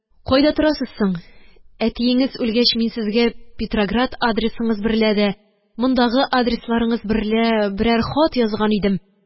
– кайда торасыз соң? әтиеңез үлгәч, мин сезгә петроград адресыңыз берлә дә, мондагы адресларыңыз берлә берәр хат язган идем.